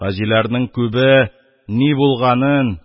Хаҗиларның күбе, ни булганын,